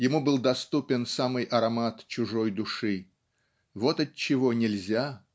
ему был доступен самый аромат чужой души. Вот отчего нельзя